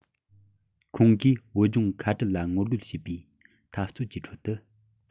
ཁོང གིས བོད ལྗོངས ཁ བྲལ ལ ངོ རྒོལ བྱེད པའི འཐབ རྩོད ཀྱི ཁྲོད དུ